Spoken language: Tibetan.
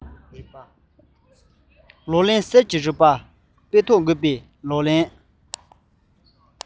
ལག ལེན གསེར གྱི ལག ལེན གསེར གྱི རིག པ དཔེ ཐོག འགོད པའི ལག ལེན གྱི